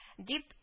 Дип